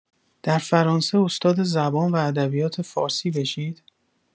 در فرانسه استاد زبان و ادبیات فارسی بشید؟